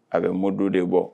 A bɛ bɔ don de bɔ